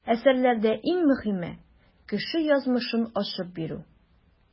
Әсәрләрдә иң мөһиме - кеше язмышын ачып бирү.